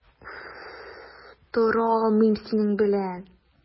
Тора алмыйм синең белән.